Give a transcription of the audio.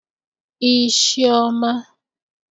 ishiọma